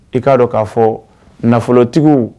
I k'a dɔn k'a fɔ nafolotigiw